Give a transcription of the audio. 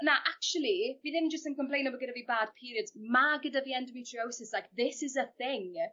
na actually fi ddim jyst yn complaino bo' gyda fi bad periods ma gyda fi endometriosis like this is a thing